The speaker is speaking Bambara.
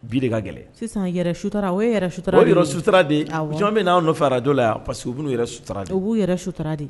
Bi de ka gɛlɛn sisan yɛrɛ sutara o ye yɛrɛ sutara de ye o ye yɛrɛ sutara de ye awɔ caman bɛ na anw nɔfɛ radio la yan parce que u b'u n'u yɛrɛ sutara de